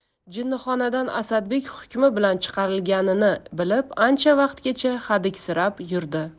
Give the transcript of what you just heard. jinnixonadan asadbek hukmi bilan chiqarilganini bilib ancha vaqtgacha hadiksirab yurdi